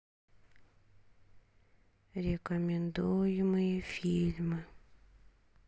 рекомендуемые фильмы